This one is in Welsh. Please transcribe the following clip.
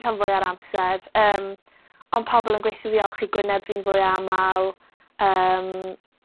rhan fwya o'r amser, yym, ond pobol yn gweitho fi olchi gwyneb fi'n fwy amal, yym.